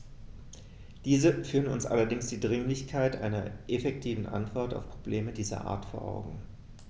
Diese führen uns allerdings die Dringlichkeit einer effektiven Antwort auf Probleme dieser Art vor Augen.